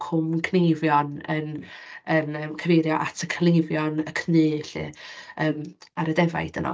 Cwm Cneifion yn... yn yym cyfeirio at y cneifion, y cnu 'lly, yym ar y defaid yno.